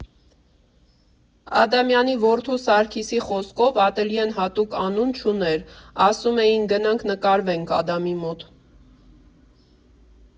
Ադամյանի որդու՝ Սարգիսի խոսքով՝ ատելյեն հատուկ անուն չուներ, ասում էին «գնանք նկարվենք Ադամի մոտ»։